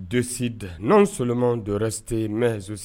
Donsi da n' soman dɔw se mɛz